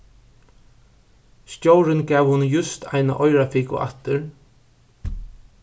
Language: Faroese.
stjórin gav honum júst eina oyrafiku aftur